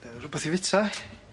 Yy rwbath i fita?